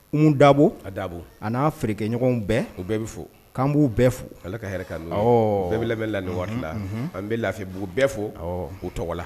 Kun dabo a dabo a n'a fkeɲɔgɔnw bɛɛ u bɛɛ bɛ fo k kanan b'u bɛɛ fo ala ka hɛrɛ k' la bɛɛ bɛ la wari la an bɛ lafifebugu bɛɛ fo k tɔgɔ la